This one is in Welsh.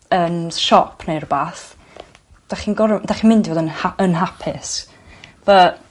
yn siop ne' rwbath 'dych chi'n gor'o' 'dach chi'n mynd i fod yn ha- yn hapus bu'